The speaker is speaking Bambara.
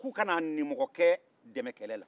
k'u kana a nimɔgɔkɛ dɛmɛ kɛlɛla